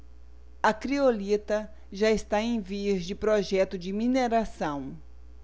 a criolita já está em vias de projeto de mineração